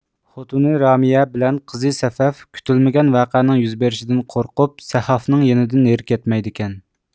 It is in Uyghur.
خوتۇنى رامىيە بىلەن قىزى سەفەف كۈتۈلمىگەن ۋەقەنىڭ يۈز بېرىشىدىن قورقۇپ سەھافنىڭ يېنىدىن نېرى كەتمەيدىكەن